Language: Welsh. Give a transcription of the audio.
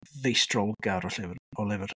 Feistrolgar o llyfr... o lyfr.